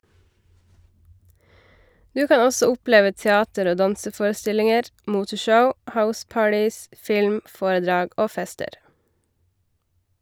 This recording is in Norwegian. Du kan også oppleve teater- og danseforestillinger, moteshow, house-parties, film, foredrag og fester!